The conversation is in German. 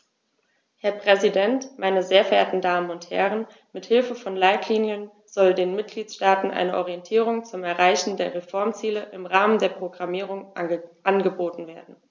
Herr Präsident, meine sehr verehrten Damen und Herren, mit Hilfe von Leitlinien soll den Mitgliedstaaten eine Orientierung zum Erreichen der Reformziele im Rahmen der Programmierung angeboten werden.